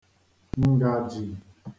ǹgàjì